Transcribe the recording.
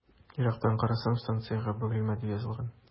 Ярыктан карасам, станциягә “Бөгелмә” дип язылган.